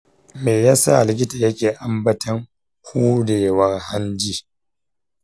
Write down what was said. me yasa likita yake ambaton huɗewar hanji?